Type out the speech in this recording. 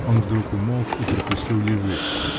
Он вдруг умолк и прикусил язык.